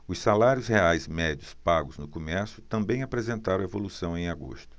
os salários reais médios pagos no comércio também apresentaram evolução em agosto